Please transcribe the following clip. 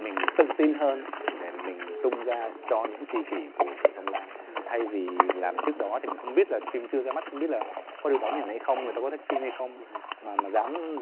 mình tự tin hơn để mình tung ra cho những tri kỷ của của sông lam thay vì làm trước đó thì mình không biết là phim chưa ra mắt không biết là có được đón nhận hay không người ta thích phim hay không mà mà dám